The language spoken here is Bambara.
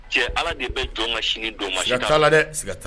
Cɛ ala de bɛ don ma siniinin don ma taa dɛ